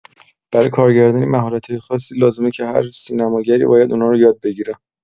برای کارگردانی مهارت‌های خاصی لازمه که هر سینماگری باید اونا رو یاد بگیره.